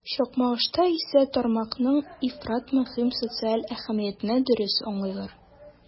Чакмагышта исә тармакның ифрат мөһим социаль әһәмиятен дөрес аңлыйлар.